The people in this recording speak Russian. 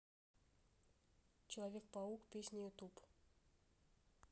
человек паук песни ютуб